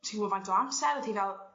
ti'n gwbod faint o amser o'dd hi fel